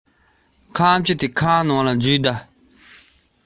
ཅེས ཟེར བཞིན ང ལ